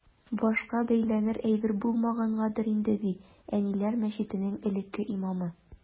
Башка бәйләнер әйбер булмагангадыр инде, ди “Әниләр” мәчетенең элекке имамы.